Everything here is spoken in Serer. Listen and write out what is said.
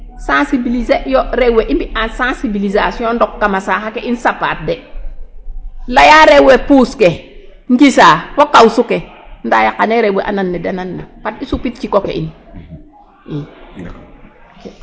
Sensibliser yo rew we i mbi'an sensiblisation ndok kam a saax ake in SAPAT da layaa rew we puus ke ngisa fo kawsu ke ndaa yaqanee rew we a nans ne da nandna fat i supit ciko ke in ii.